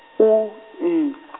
U N.